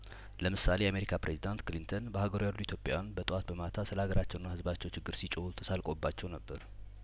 ለምሳሌ የአሜሪካ ፕሬዚዳንት ክሊንተን በሀገሩ ያሉ ኢትዮጵያዊያን በጧት በማታ ስለሀገራቸውና ህዝባቸው ችግር ሲጮሁ ተሳልቆባቸው ነበር